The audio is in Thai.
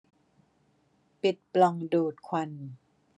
ปิดปล่องดูดควัน